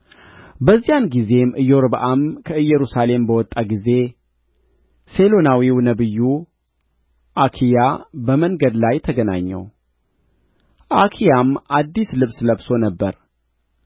በዚያን ጊዜም ኢዮርብዓም ከኢየሩሳሌም በወጣ ጊዜ ሴሎናዊው ነቢዩ አኪያ በመንገድ ላይ ተገናኘው አኪያም አዲስ ልብስ ለብሶ ነበር